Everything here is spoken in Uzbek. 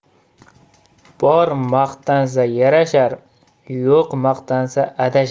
bor maqtansa yarashar yo'q maqtansa adashar